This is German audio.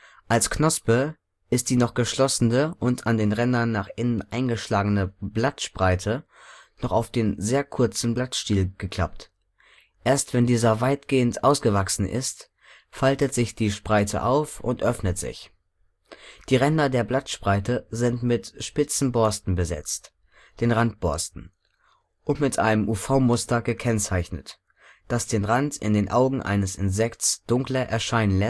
Als Knospe ist die noch geschlossene und an ihren Rändern nach innen eingeschlagene Blattspreite noch auf den sehr kurzen Blattstiel geklappt, erst wenn dieser weitgehend ausgewachsen ist, faltet sich die Spreite auf und öffnet sich. Die Ränder der Blattspreite sind mit spitzen Borsten besetzt (den Randborsten) und mit einem UV-Muster gezeichnet, das den Rand in den Augen eines Insekts dunkler erscheinen